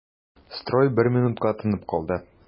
Строй бер минутка тынып калды.